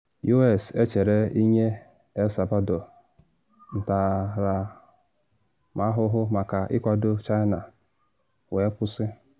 U.S. Echere Ịnye El Salvador Ntaramahụhụ Maka Ịkwado China, Wee Kwụsị